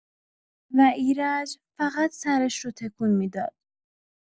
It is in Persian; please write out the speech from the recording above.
و ایرج فقط سرش رو تکون می‌داد.